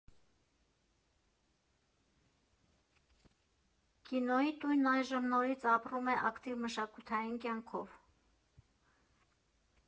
Կինոյի տունն այժմ նորից ապրում է ակտիվ մշակութային կյանքով։